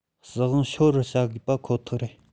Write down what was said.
སྲིད དབང ཤོར བར བྱ དགོས པ ཁོ ཐག རེད